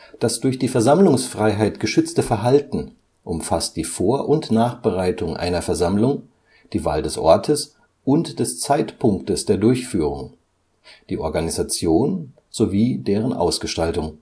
Das durch die Versammlungsfreiheit geschützte Verhalten umfasst die Vor - und Nachbereitung einer Versammlung, die Wahl des Ortes und des Zeitpunktes der Durchführung, die Organisation sowie deren Ausgestaltung